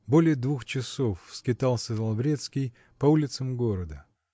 Более двух часов скитался Лаврецкий по улицам города.